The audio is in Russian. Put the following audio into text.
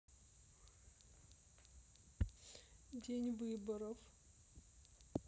день выборов